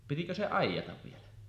pitikö se aidata vielä